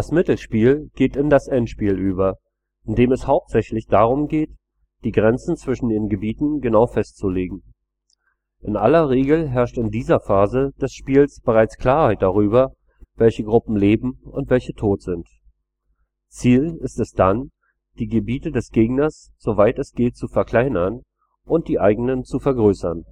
Mittelspiel geht in das Endspiel über, in dem es hauptsächlich darum geht, die Grenzen zwischen den Gebieten genau festzulegen. In aller Regel herrscht in dieser Phase des Spiels bereits Klarheit darüber, welche Gruppen leben und welche tot sind. Ziel ist es dann, die Gebiete des Gegners so weit es geht zu verkleinern und die eigenen zu vergrößern